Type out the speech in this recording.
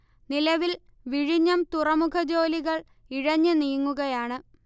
നിലവിൽ വിഴിഞ്ഞം തുറമുഖ ജോലികൾ ഇഴഞ്ഞു നീങ്ങുകയാണ്